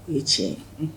O ye tiɲɛ ye